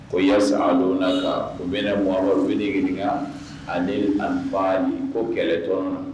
o bɛɛ la Muhamadu n bi ni ɲiniga ko kɛlɛ tɔn na.